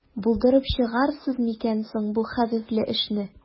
Булдырып чыгарсыз микән соң бу хәвефле эшне?